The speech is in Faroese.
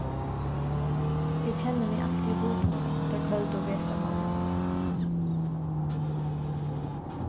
eg kenni meg altíð hugtungan teir køldu vetrarmánaðirnir